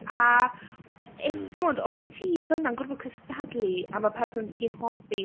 A if timod os wyt ti fan'na yn gorfod cystadlu am y person ti’n hoffi...